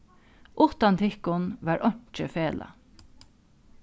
uttan tykkum var einki felag